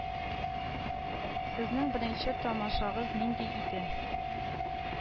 Сезнең беренче тамашагыз нинди иде